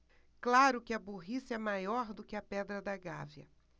claro que a burrice é maior do que a pedra da gávea